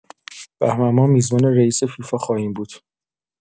بهمن‌ماه میزبان رییس فیفا خواهیم بود.